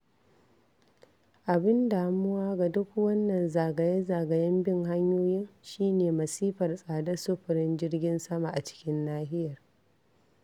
Abin damuwa ga duk wannan zagaye-zagayen bin hanyoyin shi ne masifar tsadar sufurin jirgin sama a cikin nahiyar.